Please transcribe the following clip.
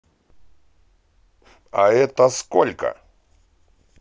а это сколько